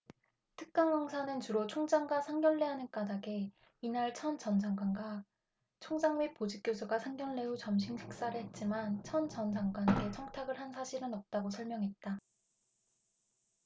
특강 강사는 주로 총장과 상견례 하는 까닭에 이날 천 전 장관과 총장 및 보직교수가 상견례 후 점심식사를 했지만 천 전 장관에게 청탁을 한 사실은 없다고 설명했다